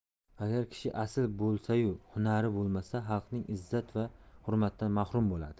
agar kishi asil bo'lsayu hunari bo'lmasa xalqning izzat va hurmatidan mahrum bo'ladi